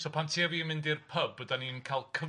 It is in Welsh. So pan ti a fi'n mynd i'r pub 'dan ni'n cael cyfrainc.